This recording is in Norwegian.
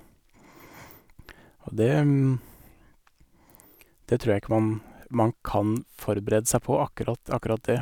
Og det det trur jeg ikke man man kan forberede seg på, akkurat akkurat det.